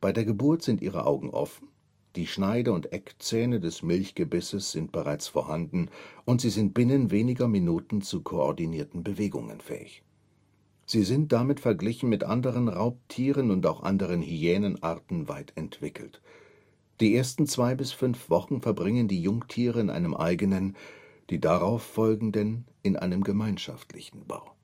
der Geburt sind ihre Augen offen, die Schneide - und Eckzähne des Milchgebisses sind bereits vorhanden und sie sind binnen weniger Minuten zu koordinierten Bewegungen fähig. Sie sind damit verglichen mit anderen Raubtieren und auch anderen Hyänenarten weit entwickelt. Die ersten zwei bis fünf Wochen verbringen die Jungtiere in einem eigenen, die darauffolgenden in einem gemeinschaftlichen Bau